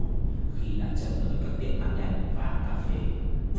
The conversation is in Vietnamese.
khi đặt chân tới các tiệm ăn nhanh và cà phê